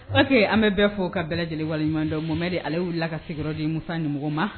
Ok an bɛ bɛɛ fo ka bɛɛ lajɛlen waleɲumandon Mohamed ale wilila ka sigiyɔrɔ di Musa nimɔgɔ ma.